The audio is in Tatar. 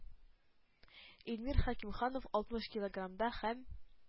Илмир Хәкимханов алтмыш килограммда һәм